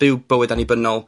...byw bywyd annibynnol.